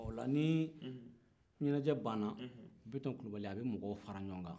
o la ni ɲɛnajɛ banna biton kulubali a bɛ mɔgɔw fara ɲɔgɔn kan